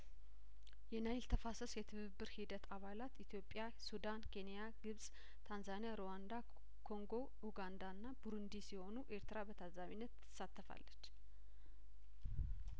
የናይል ተፋሰስ የትብብር ሂደት አባላት ኢትዮጵያ ሱዳን ኬንያ ግብጽ ታንዛኒያ ሩዋንዳ ኮንጐ ኡጋንዳና ቡሩንዲ ሲሆኑ ኤርትራ በታዘቢነት ትሳተፋለች